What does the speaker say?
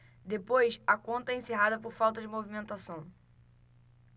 depois a conta é encerrada por falta de movimentação